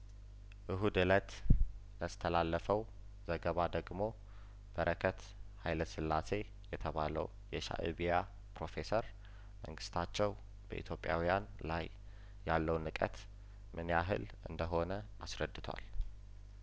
እሁድ እለት ያስተላለፈው ዘገባ ደግሞ በረከት ሀይለስላሴ የተባለው የሻእቢያ ፕሮፌሰር መንግስታቸው በኢትዮጵያውያን ላይ ያለው ንቀት ምን ያህል እንደሆነ አስረድቷል